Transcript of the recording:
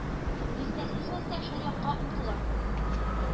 Үзе дә сизмәстән шул якка омтыла